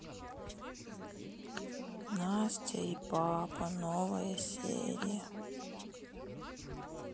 настя и папа новая серия